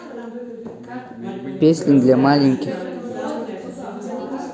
песни для маленьких